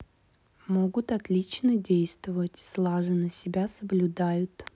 могут отлично действовать слаженно себя соблюдают